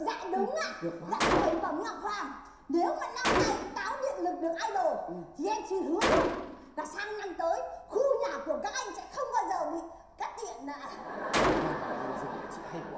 dạ đúng ạ dạ khởi bẩm ngọc hoàng nếu mà năm nay táo điện lực được ai đồ thì em xin hứa luôn là sang năm tới khu nhà của các anh sẽ không bao giờ bị cắt điện ạ